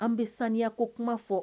An bɛ saniyako kuma fɔ